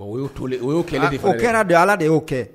O y'o to len o y'o kɛlɛ de aa o kɛra de Ala de y'o kɛ